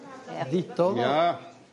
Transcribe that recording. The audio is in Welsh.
Ia. Ddudodd o. Ia.